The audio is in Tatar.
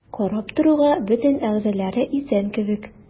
Карап торуга бөтен әгъзалары исән кебек.